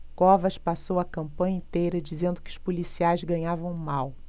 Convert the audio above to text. covas passou a campanha inteira dizendo que os policiais ganhavam mal